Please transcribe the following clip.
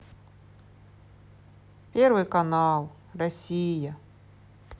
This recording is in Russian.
первый канал россия